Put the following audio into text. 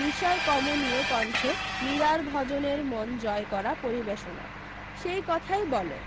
নিশার কমনীয় কণ্ঠে মীরার ভজনের মন জয় করা পরিবেশনা সেই কথাই বলে